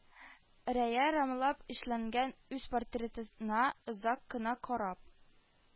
Рая рамлап эшләнгән үз портретына озак кына карап